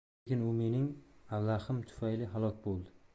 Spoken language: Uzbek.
lekin u mening ablahligim tufayli halok bo'ldi